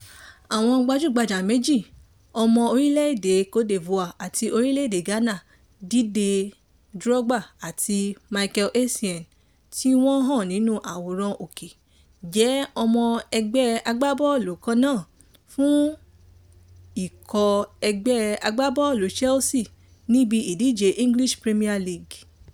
Àwọn gbajú-gbajà méjì ọmọ orílẹ̀ èdè Cote d'Ivoire àti orílẹ̀ èdè Ghana, Dìde Drogba àti Michael Essien (tí wọ́n hàn nínú àwòrán òkè) jẹ́ ọmọ ẹgbẹ́ agbábọ́ọ̀lù kannáà fún ikọ̀ ẹgbẹ́ agbábọ́ọ̀lù Chelsea níbi ìdíje English Premier League.